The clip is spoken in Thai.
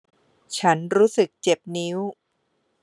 ฉันรู้สึกเจ็บนิ้ว